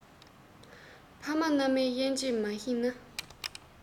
ཕ མ མནའ མའི དབྱེ འབྱེད མ ཤེས ན